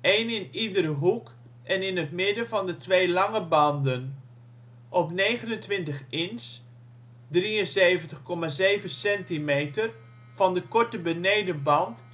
één in iedere hoek en in het midden van de twee lange banden. Op 29 inch (73,7 centimeter) van de korte benedenband